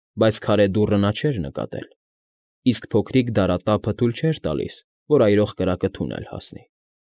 Բայց քարե դուռը նա չէր նկատել, իսկ փոքրիկ դարատափը թույլ չէր տալիս, որ այրող կրակը թունել հասնի։